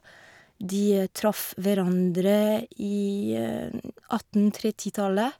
De traff hverandre i atten trettitallet.